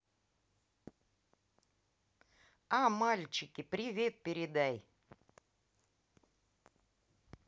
а мальчики привет передай